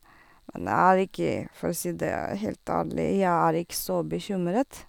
Men jeg er ikke for å si det helt ærlig, jeg er ikke så bekymret.